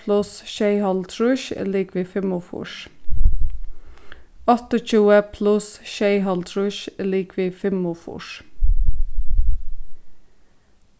pluss sjeyoghálvtrýss er ligvið fimmogfýrs áttaogtjúgu pluss sjeyoghálvtrýss er ligvið fimmogfýrs